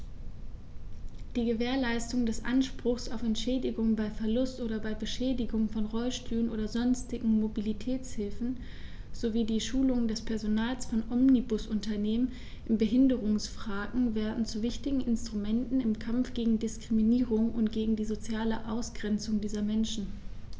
Die Gewährleistung des Anspruchs auf Entschädigung bei Verlust oder Beschädigung von Rollstühlen oder sonstigen Mobilitätshilfen sowie die Schulung des Personals von Omnibusunternehmen in Behindertenfragen werden zu wichtigen Instrumenten im Kampf gegen Diskriminierung und gegen die soziale Ausgrenzung dieser Menschen.